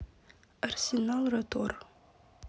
арсенал ротор